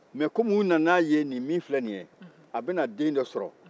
mais komi o nana ye nin min filɛ nin ye a bɛna den dɔ sɔrɔ